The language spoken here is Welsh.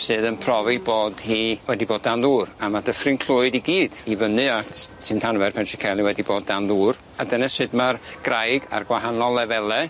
Sydd yn profi bod hi wedi bod dan ddŵr a ma' dyffryn Clwyd i gyd i fyny at llyn tanfer Penlleceli wedi bod dan ddŵr a dyne sud ma'r graig ar gwahanol lefele